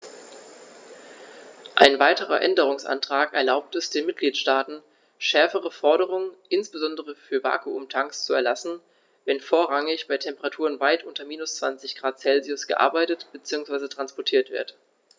Ein weiterer Änderungsantrag erlaubt es den Mitgliedstaaten, schärfere Forderungen, insbesondere für Vakuumtanks, zu erlassen, wenn vorrangig bei Temperaturen weit unter minus 20º C gearbeitet bzw. transportiert wird.